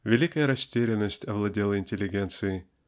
Великая растерянность овладела интеллигенцией.